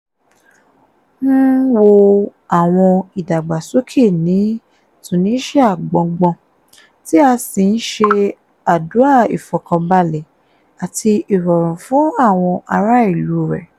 Ń wo àwọn ìdàgbàsókè ní #Tunisia gbọ̀ngbọ̀n tí a sì ń ṣe àdúà ìfọ̀kànbalẹ̀ àti ìrọ̀rùn fún àwọn ará-ìlú rẹ̀.